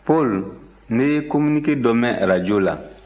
paul ne ye communique dɔ mɛn arajo la